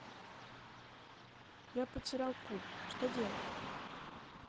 я потерял пульт что делать